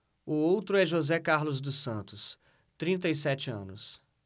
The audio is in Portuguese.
o outro é josé carlos dos santos trinta e sete anos